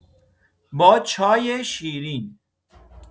با چای شیرین